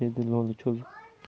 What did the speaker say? dedi lo'li cho'zib